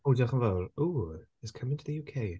O diolch yn fawr. Oh it's coming to the UK.